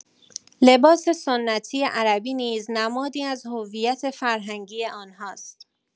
لباس سنتی عربی نیز نمادی از هویت فرهنگی آنهاست؛